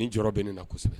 Ni jɔ bɛ bɛna na kɔ kosɛbɛ